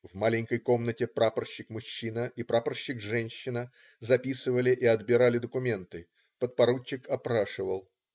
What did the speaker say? В маленькой комнате прапорщик-мужчина и прапорщик-женщина записывали и отбирали документы подпоручик опрашивал.